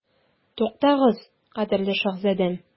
Туктагыз, кадерле шаһзадәм.